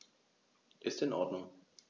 Ist in Ordnung.